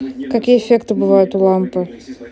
какие эффекты бывают у лампы